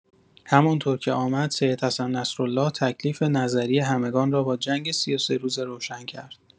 همانطور که آمد سید حسن نصراله تکلیف نظری همگان را با جنگ ۳۳ روزه روشن کرد.